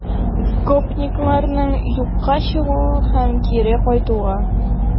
Гопникларның юкка чыгуы һәм кире кайтуы